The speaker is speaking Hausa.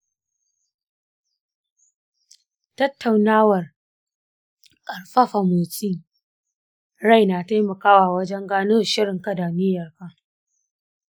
tattaunawar ƙarfafa motsa rai na taimakawa wajen gano shirinka da niyyarka.